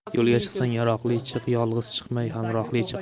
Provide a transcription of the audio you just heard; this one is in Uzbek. yo'lga chiqsang yaroqli chiq yolg'iz chiqmay hamrohli chiq